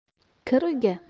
kir uyga